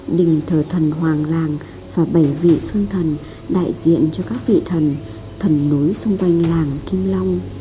đình thờ thần hoàng làng và vị sơn thần đại diện cho các vị thần thần núi xung quanh làng kim long